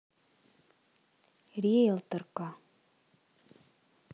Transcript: риэлтор ка